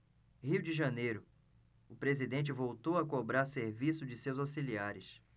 rio de janeiro o presidente voltou a cobrar serviço de seus auxiliares